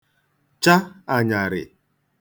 cha anyarị